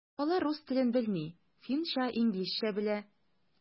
Алар рус телен белми, финча, инглизчә белә.